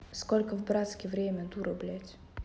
сколько в братске время дура блять